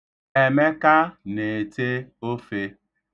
Emeka na-ete ofe.